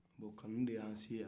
bon kanun de y'a se han